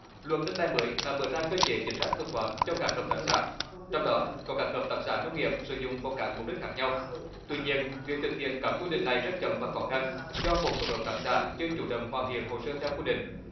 luật đất đai mới đã mở ra cơ chế chính sách thông thoáng cho các hợp tác xã trong đó có các hợp tác xã nông nghiệp sử dụng vào các mục đích khác nhau tuy nhiên việc thực hiện các quy định này rất chậm và khó khăn do một số hợp tác xã chưa chủ động hoàn thiện hồ sơ theo quy định